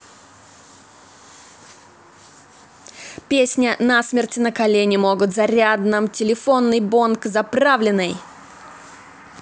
песня насмерть на колени могут зарядном телефонный бонг заправленный